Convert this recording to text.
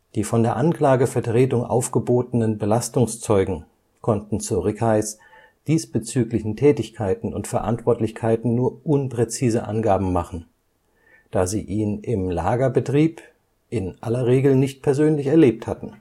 Die von der Anklagevertretung aufgebotenen Belastungszeugen konnten zu Rickheys diesbezüglichen Tätigkeiten und Verantwortlichkeiten nur unpräzise Angaben machen, da sie ihn im Lagerbetrieb in aller Regel nicht persönlich erlebt hatten